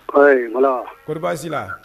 Ayi ko baasi la